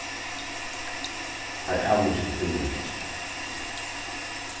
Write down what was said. teir avlýstu túrin hjá sær